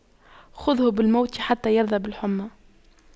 خُذْهُ بالموت حتى يرضى بالحُمَّى